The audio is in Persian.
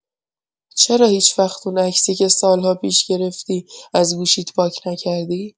چرا هیچ‌وقت اون عکسی که سال‌ها پیش‌گرفتی، از گوشیت پاک نکردی؟